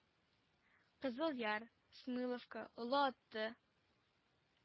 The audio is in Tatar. Кызыл Яр, Смыловка, Олы Аты,